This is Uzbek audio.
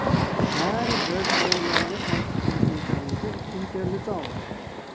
bari bir ayollarga xos qiziquvchanligi ustun keldi chog'i